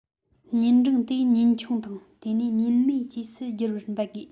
ཉེན འབྲིང དེ ཉེན ཆུང དང དེ ཡང ཉེན མེད བཅས སུ བསྒྱུར བར འབད དགོས